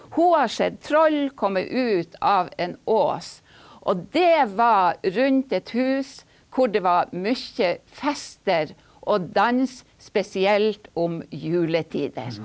hun har sett troll komme ut av en ås, og det var rundt et hus hvor det var mye fester og dans spesielt om juletider.